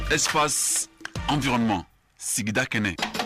Esfa anma sigida kɛnɛ